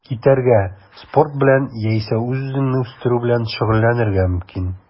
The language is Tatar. Китәргә, спорт белән яисә үз-үзеңне үстерү белән шөгыльләнергә мөмкин.